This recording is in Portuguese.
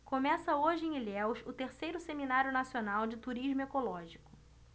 começa hoje em ilhéus o terceiro seminário nacional de turismo ecológico